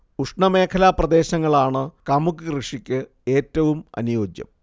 ഉഷ്ണമേഖലാപ്രദേശങ്ങളാണ് കമുക് കൃഷിക്ക് ഏറ്റവും അനുയോജ്യം